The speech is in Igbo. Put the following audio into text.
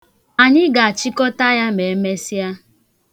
Anyị ga-achịkọta ya ma emesia.